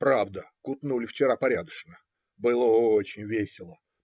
Правда, кутнули вчера порядочно было очень весело